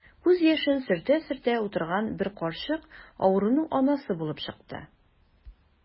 Күз яшен сөртә-сөртә утырган бер карчык авыруның анасы булып чыкты.